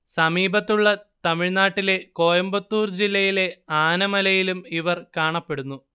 സമീപത്തുള്ള തമിഴ്നാട്ടിലെ കോയമ്പത്തൂർ ജില്ലയിലെ ആനമലയിലും ഇവർ കാണപ്പെടുന്നു